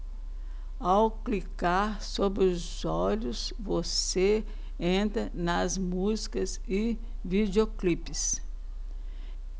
ao clicar sobre os olhos você entra nas músicas e videoclipes